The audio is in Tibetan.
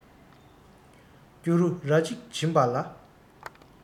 སྐྱུ རུ ར གཅིག བྱིན པ ལ